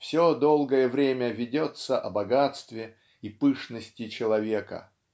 все долгое время ведется о богатстве и пышности Человека